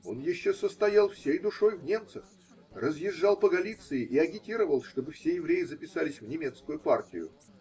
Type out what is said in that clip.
он еще состоял всей душой в немцах, разъезжал по Галиции и агитировал, чтобы все евреи записались в немецкую партию.